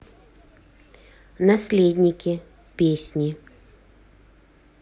наследники песни